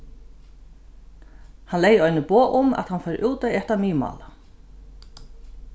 hann legði eini boð um at hann fór út at eta miðmála